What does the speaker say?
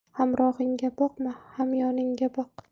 hamrohingga boqma hamyoningga boq